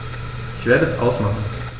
Ich werde es ausmachen